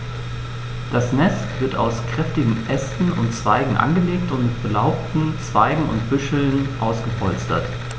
Das Nest wird aus kräftigen Ästen und Zweigen angelegt und mit belaubten Zweigen und Büscheln ausgepolstert.